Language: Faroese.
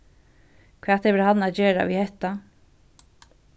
hvat hevur hann at gera við hetta